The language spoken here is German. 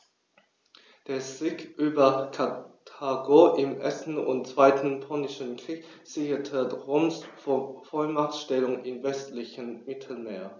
Der Sieg über Karthago im 1. und 2. Punischen Krieg sicherte Roms Vormachtstellung im westlichen Mittelmeer.